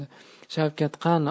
shavkat qani